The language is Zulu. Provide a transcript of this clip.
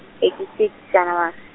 eighty six January.